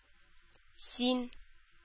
Син